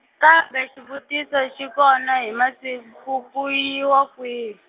kambe xivutiso xi kona hi masiku ku yiwa kwihi?